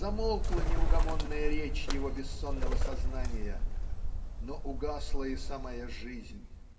Замолкла неугомонная речь его бессонного сознания но угасла и самая жизнь.